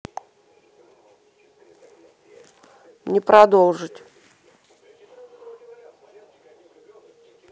не продолжить